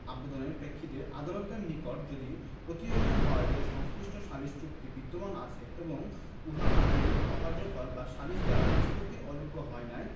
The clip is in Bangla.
আবেদনের প্রেক্ষিতে আদালতের নিকট যদি প্রতীয়মান হয় যে সংশ্লিষ্ট সালিস চুক্তি বিদ্যমান আছে এবং উহা বাতিল অকার্যকর বা সালিস দ্বারা নিষ্পত্তির অযোগ্য হয় নাই